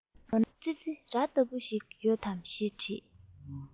འོ ན ཙི ཙི ར ལྟ བུ ཞིག ཡོད དམ ཞེས དྲིས